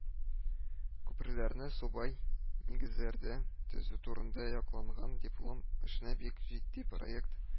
Күперләрне субай нигезләрдә төзү турында якланган диплом эшенә бик җитди проект